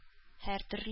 Һәртөрле